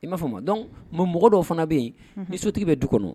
I m'a faamu a donc mais mɔgɔ dɔw fana bɛ yen unhun ni sotigi bɛ du kɔnɔ